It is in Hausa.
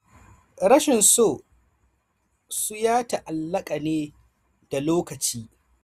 Rashin so su ya ta’allaka ne da lokaci.